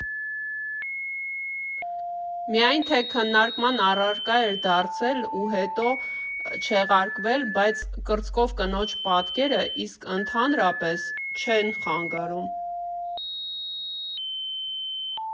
Միայն թե քննարկման առարկա էր դարձել ու հետո չեղարկվել բաց կրծքով կնոջ պատկերը, իսկ ընդհանրապես՝ չեն խանգարում.